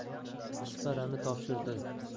isfarani topshirdi